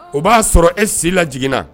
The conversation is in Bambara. O b'a sɔrɔ e si lajiginna